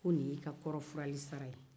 ko nin ye i ka kɔrɔfurali sara ye